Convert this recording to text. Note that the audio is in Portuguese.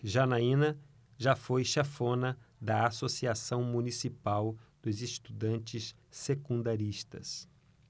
janaina foi chefona da ames associação municipal dos estudantes secundaristas